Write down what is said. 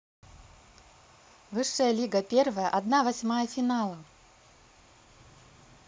высшая лига первая одна восьмая финала